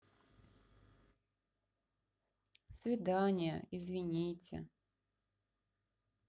свидания извините